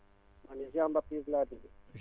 man Jean Baptise laa tudd